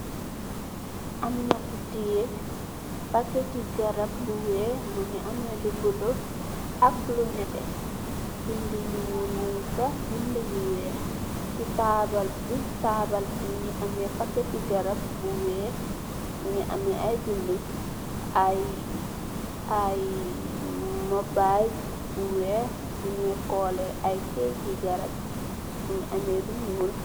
Amna ku teyeh packete garab bu weex muge am lu bulo ak lu neteh bede yu nuul mugfa bede yu weex se taabal be taabal muge ameh packete garab bu weex muge ameh aye bede aye aye mobile bu weex bunuy calle aye kayete garab muge ameh lu nuul.